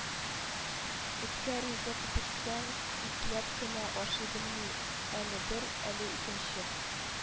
Эткә ризык бирсәң ипләп кенә ашый белми: әле бер, әле икенче